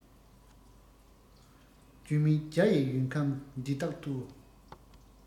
རྒྱུས མེད རྒྱ ཡི ཡུལ ཁམས འདི དག ཏུ